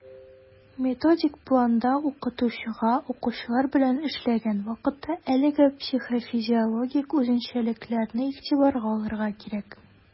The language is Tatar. Методик планда укытучыга, укучылар белән эшләгән вакытта, әлеге психофизиологик үзенчәлекләрне игътибарга алырга кирәк.